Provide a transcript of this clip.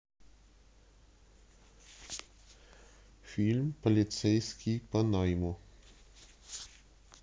фильм полицейский по найму